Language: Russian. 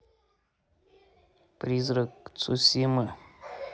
призрак цусимы